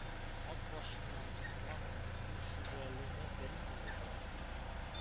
Ат башыннан тоткан ул, бу Шүрәлене белми дә;